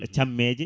cammeje